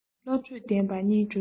བློ གྲོས ལྡན པ གཉིས བགྲོས ན